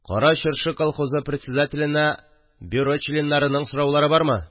– кара чыршы колхозы председателенә бюро членнарының сораулары бармы